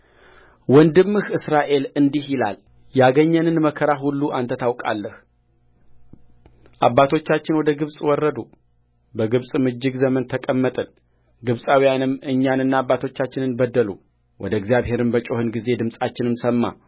ወንድምህ እስራኤል እንዲህ ይላል ያገኘንን መከራ ሁሉ አንተ ታውቃለህአባቶቻችን ወደ ግብፅ ወረዱ በግብፅም እጅግ ዘመን ተቀመጥን ግብፃውያንም እኛንና አባቶቻችንን በደሉወደ እግዚአብሔርም በጮኽን ጊዜ ድምፃችንን ሰማ